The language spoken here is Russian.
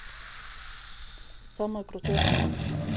самое крутое аниме